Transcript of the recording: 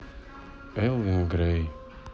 элвин грей